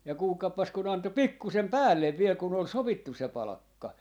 ja kuulkaapas kun antoi pikkuisen päälle vielä kun oli sovittu se palkka